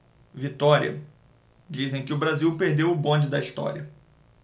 vitória dizem que o brasil perdeu o bonde da história